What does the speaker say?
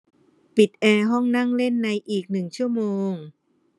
ปิดแอร์ห้องนั่งเล่นในอีกหนึ่งชั่วโมง